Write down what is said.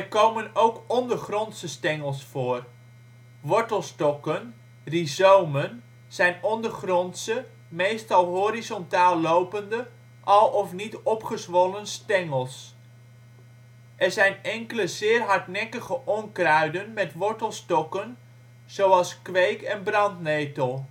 komen ook ondergrondse stengels voor. Wortelstokken (rizomen) zijn ondergrondse, meestal horizontaal lopende, al of niet opgezwollen stengels. Er zijn enkele zeer hardnekkige onkruiden met wortelstokken zoals kweek en brandnetel